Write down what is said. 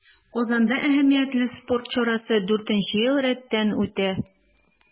Казанда әһәмиятле спорт чарасы дүртенче ел рәттән үтә.